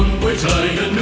cuối